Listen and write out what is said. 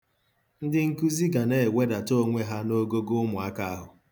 Ndị nkụzi ga na-ewedata onwe ha n'ogogo ụmụaka ahụ.